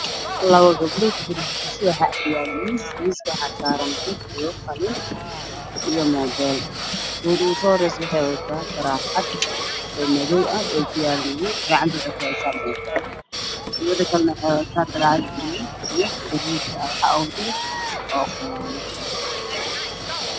Waxaa ii muuqda laba gabdhood oo wata ookiyaalo gabadha u horeyse waxay wadataa dher madow gabadha kale waxay wadataa dhar dab iyo burruug ah gadaal waxaa ka xigo wiilal iyo gabdho